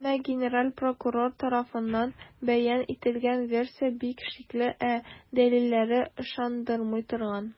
Әмма генераль прокурор тарафыннан бәян ителгән версия бик шикле, ә дәлилләре - ышандырмый торган.